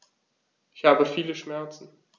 Ich habe viele Schmerzen.